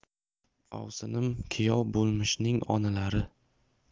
ovsinim kuyov bo'lmishning onalari